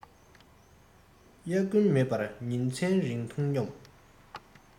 དབྱར དགུན མེད པར ཉིན མཚན རིང འཐུང སྙོམས